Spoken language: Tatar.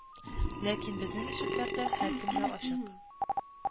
Ләкин безнең ишекләр дә һәркемгә ачык